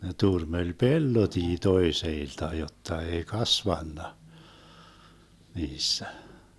ne turmeli pellotkin toisilta jotta ei kasvanut niissä